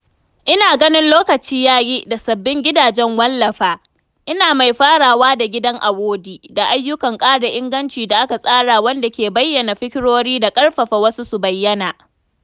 Ina ganin lokaci yayi da sabbin gidajen wallafa, ina mai farawa da gidan Awoudy, da ayyukan ƙara inganci da aka tsara wanda ke bayyana fikirori da ƙarfafa wasu su bayyana.